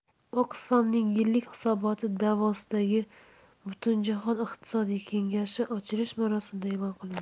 oxfam'ning yillik hisoboti davosdagi butujahon iqtisodiy kengashi ochilish marosimida e'lon qilindi